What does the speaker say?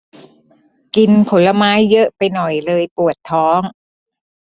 กินผลไม้เยอะไปหน่อยเลยปวดท้อง